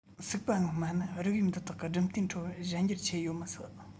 སུག པ སྔོན མ ནི རིགས དབྱིབས འདི དག གི སྦྲུམ རྟེན ཁྲོད གཞན འགྱུར ཆེ ཡོད མི སྲིད